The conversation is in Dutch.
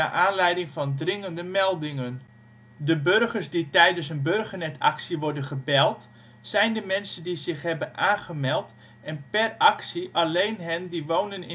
aanleiding van dringende meldingen. De burgers die tijdens een Burgernet-actie worden gebeld zijn de mensen die zich hebben aangemeld en per actie alleen hen die wonen